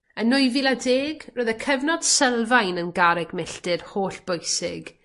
Yn nwy fil a deg, roedd y cyfnod sylfaen yn garreg milltir hollbwysig.